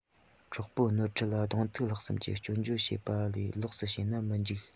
གྲོགས པོའི ནོར འཁྲུལ ལ གདོང ཐུག ལྷག བསམ གྱིས སྐྱོན རྗོད བྱེད པ ལས ལོགས སུ འཕྱས ན མི འགྱིག